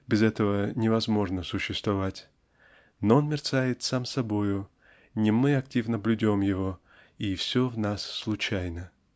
-- без этого невозможно существовать -- но он мерцает сам собою не мы активно блюдем его и все в нас случайно.